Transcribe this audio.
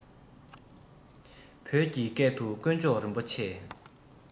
བོད ཀྱི སྐད དུ དཀོན མཆོག རིན པོ ཆེ